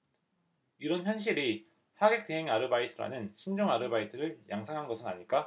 이런 현실이 하객 대행 아르바이트라는 신종 아르바이트를 양성한 것은 아닐까